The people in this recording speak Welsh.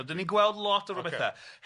So dan ni'n gweld lot o ryw bethau... Ocê.